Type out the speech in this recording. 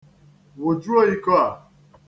Wụjuo iko a.